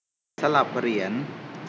สลับเหรียญ